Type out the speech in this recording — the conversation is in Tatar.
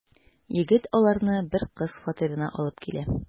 Егет аларны бер кыз фатирына алып килә.